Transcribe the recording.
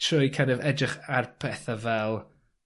Trwy kin' of edrych ar pethe fel